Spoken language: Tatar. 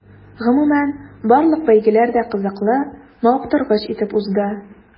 Гомумән, барлык бәйгеләр дә кызыклы, мавыктыргыч итеп узды.